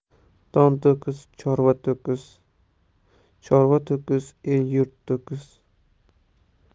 don to'kis chorva to'kis chorva to'kis el yurt to'kis